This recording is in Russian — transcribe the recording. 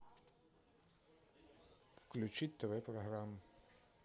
включить тв программу